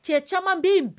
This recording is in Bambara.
Cɛ caman bi